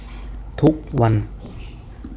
ทุกวัน